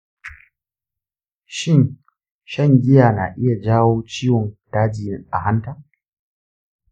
shin shan giya na iya jawo ciwon daji a hanta?